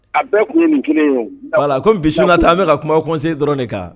A bɛɛ tun ye nin kelen wala ko misi na taa an bɛka ka kuma kɔnsen dɔrɔn de kan